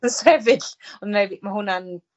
Ma' sefyll yn neu' fi, ma' hwnna'n